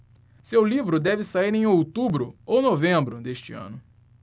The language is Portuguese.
seu livro deve sair em outubro ou novembro deste ano